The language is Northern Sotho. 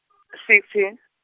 fifth year.